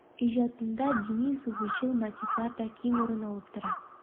Иҗатында дини-суфыйчыл мотивлар да киң урын алып тора.